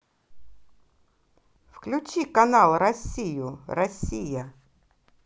включи канал россию россия